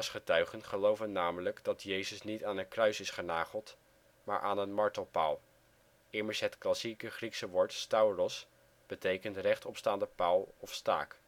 getuigen geloven namelijk dat Jezus niet aan een kruis is genageld, maar aan een martelpaal (immers het klassieke Griekse woord stau'ros betekent " rechtopstaande paal " of " staak